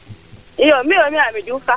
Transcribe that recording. iyo mi Amy Diouf